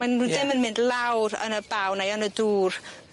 Mae nw... Ie. ..dim yn mynd lawr yn y baw neu yn y dŵr.